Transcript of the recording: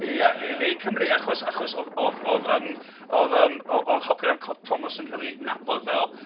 Ie, yn Ne Cymru. Achos... achos oedd... oedd... oedd yym... oedd yym o- oedd Hopcyn Ap Tomos yn cael ei 'nabod fel...